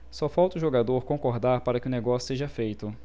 só falta o jogador concordar para que o negócio seja feito